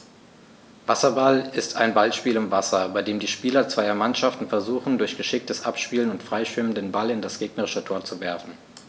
Wasserball ist ein Ballspiel im Wasser, bei dem die Spieler zweier Mannschaften versuchen, durch geschicktes Abspielen und Freischwimmen den Ball in das gegnerische Tor zu werfen.